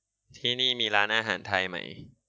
ที่นี่มีร้านอาหารไทยไหม